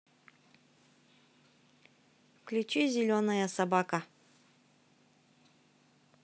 включи зеленая собака